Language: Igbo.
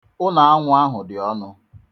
Ụnọ̀anwụ̄ ahụ̀ dị̀ ọnụ̄